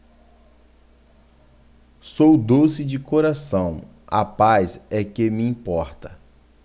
sou doce de coração a paz é que me importa